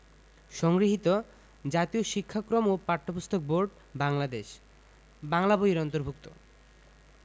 সংগৃহীত জাতীয় শিক্ষাক্রম ও পাঠ্যপুস্তক বোর্ড বাংলাদেশ বাংলা বই এর অন্তর্ভুক্ত